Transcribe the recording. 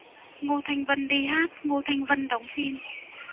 ngô thanh vân đi hát ngô thanh vân đóng phim